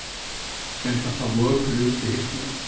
gentan sá vøkur út í húgvuni